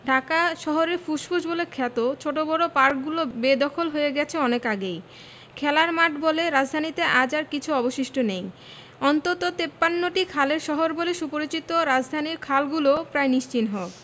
ঢাকা শহরের ফুসফুস বলে খ্যাত ছোট বড় পার্কগুলো বেদখল হয়ে গেছে অনেক আগেই খেলার মাঠ বলে রাজধানীতে আজ আর কিছু অবশিষ্ট নেই অন্তত ৫৩টি খালের শহর বলে সুপরিচিত রাজধানীর খালগুলোও প্রায় নিশ্চিহ্ন